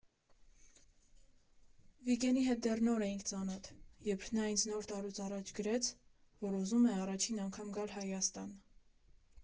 Վիգենի հետ դեռ նոր էինք ծանոթ, երբ նա ինձ Նոր տարուց առաջ գրեց, որ ուզում է առաջին անգամ գալ Հայաստան։